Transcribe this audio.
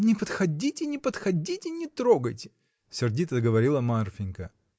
— Не подходите, не подходите, не трогайте! — сердито говорила Марфинька.